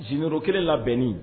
Jurukɛla labɛnnen